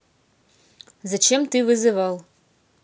зачем ты вызвал